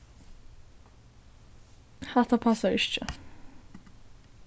hatta passar ikki